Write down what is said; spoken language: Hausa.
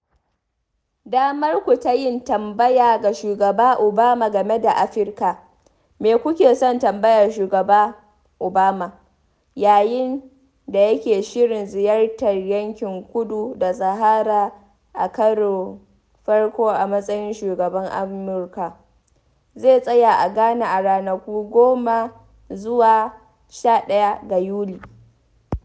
Damar ku ta yin tambaya ga Shugaba Obama game da Afirka: Me kuke son tambayar Shugaba Obama, yayin da yake shirin ziyartar yankin kudu da Sahara a karon farko a matsayin shugaban Amurka – Zai tsaya a Ghana a ranakun 10-11 ga Yuli?